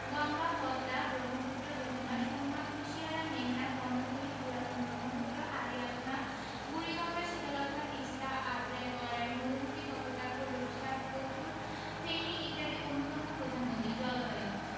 গঙ্গা পদ্মা ব্রহ্মপুত্র যমুনা সুরমা কুশিয়ারা মেঘনা কর্ণফুলি পুরাতন ব্রহ্মপুত্র আড়িয়াল খাঁ বুড়িগঙ্গা শীতলক্ষ্যা তিস্তা আত্রাই গড়াই মধুমতি কপোতাক্ষ রূপসা পসুর ফেনী ইত্যাদি অন্যতম প্রধান নদী জলবায়ু